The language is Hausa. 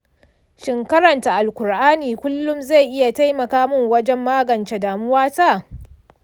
shin karanta alƙur'ani kullum zai iya taimaka min wajen magance damuwata?